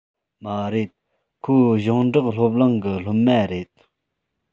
མ རེད ཁོ ཞིང འབྲོག སློབ གླིང གི སློབ མ རེད